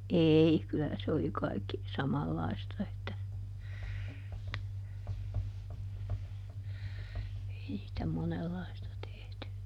ei kyllä se oli kaikki samanlaista että ei sitä monenlaista tehty